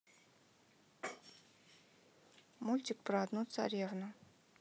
мультик про одну царевну